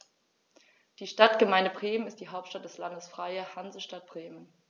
Die Stadtgemeinde Bremen ist die Hauptstadt des Landes Freie Hansestadt Bremen.